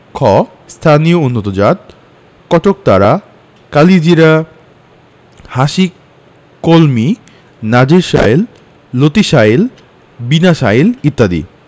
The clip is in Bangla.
খ স্থানীয় উন্নতজাতঃ কটকতারা কালিজিরা হাসিকলমি নাজির শাইল লতিশাইল বিনাশাইল ইত্যাদি